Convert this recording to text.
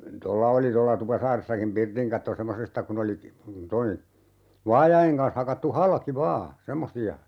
tuolla oli tuolla Tupasaaressakin pirtin katto semmoisesta kun oli tuo niin vaajojen kanssa hakattu halki vain semmoisia